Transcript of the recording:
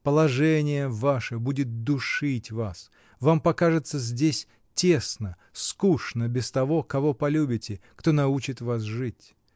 Положение ваше будет душить вас, вам покажется здесь тесно, скучно без того, кого полюбите, кто научит вас жить.